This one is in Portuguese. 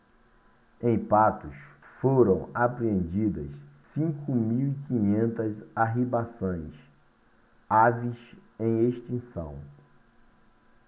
em patos foram apreendidas cinco mil e quinhentas arribaçãs aves em extinção